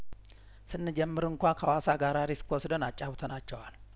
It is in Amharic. ስንጀምር እንኳ ከአዋሳ ጋር ሪስክ ወስደን አጫውተናቸዋል